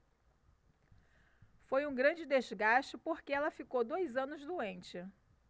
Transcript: foi um grande desgaste porque ela ficou dois anos doente